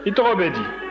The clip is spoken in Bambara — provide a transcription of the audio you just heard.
i tɔgɔ bɛ di